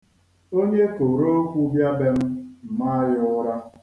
Onye koro okwu bịa be m, m maa ya ụra.